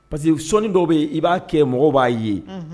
Parce que sɔɔni dɔw bɛ i b'a kɛ mɔgɔ b'a ye